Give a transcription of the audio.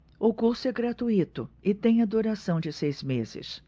o curso é gratuito e tem a duração de seis meses